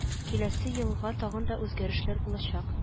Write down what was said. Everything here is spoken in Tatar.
Киләсе елга тагын да үзгәрешләр булачак